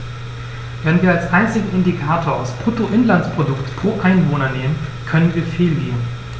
Wenn wir als einzigen Indikator das Bruttoinlandsprodukt pro Einwohner nehmen, können wir fehlgehen.